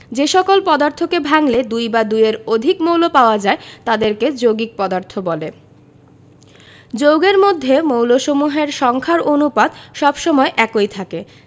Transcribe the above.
যে সকল পদার্থকে ভাঙলে দুই বা দুইয়ের অধিক মৌল পাওয়া যায় তাদেরকে যৌগিক পদার্থ বলে যৌগের মধ্যে মৌলসমূহের সংখ্যার অনুপাত সব সময় একই থাকে